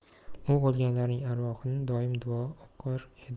u o'lganlarning arvohini doim duo o'qir edi